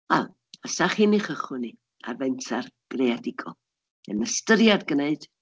A os dach chi'n ei chychwyn hi ar fenter greadigol, neu yn ystyried gwneud.